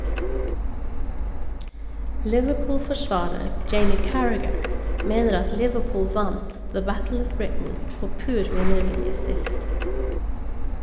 Liverpool-forsvarer Jamie Carragher mener at Liverpool vant «The Battle of Britain» på pur vinnervilje sist.